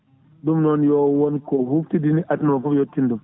ɗum noon yo wonko ko huftidini aduna o foof yo tinɗum